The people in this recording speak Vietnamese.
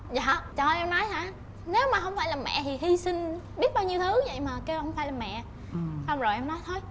dạ trời ơi em nói hả nếu mà không phải là mẹ thì hy sinh biết bao nhiêu thứ vậy mà kêu không phải là mẹ xong rồi em nói thôi